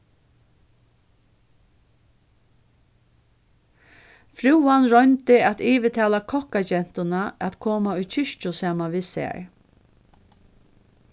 frúan royndi at yvirtala kokkagentuna at koma í kirkju saman við sær